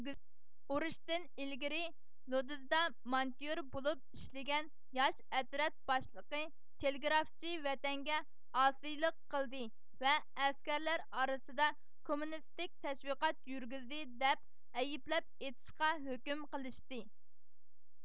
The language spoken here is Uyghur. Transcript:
ئۇرۇشتىن ئىلگىرى لودزدا مانتيور بولۇپ ئىشلىگەن ياش ئەترەت باشلىقى تېلېگرافچى ۋەتەنگە ئاسىيلىق قىلدى ۋە ئەسكەرلەر ئارىسىدا كوممۇنىستىك تەشۋىقات يۈرگۈزدى دەپ ئەيىبلەپ ئېتىشقا ھۆكۈم قىلىشتى